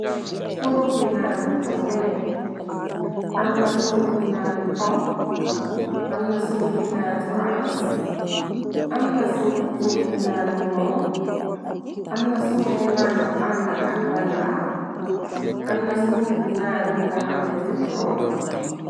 Sungu finaan fason bu ne am na singu finaan pom amna sungu finaan sorans am na singu finaan limoŋ amna sungu finaan bu ànda ak vanila amna singu finaan bi nga xamne ci trolla.